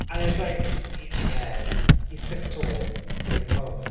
And it's like, yeah, he's tiptoeing. Like, oh.